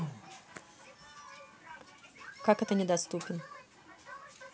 как это недоступен